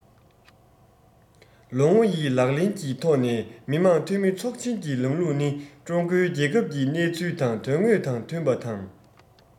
ལོ ངོ ཡི ལག ལེན གྱི ཐོག ནས མི དམངས འཐུས མི ཚོགས ཆེན གྱི ལམ ལུགས ནི ཀྲུང གོའི རྒྱལ ཁབ ཀྱི གནས ཚུལ དང དོན དངོས དང མཐུན པ དང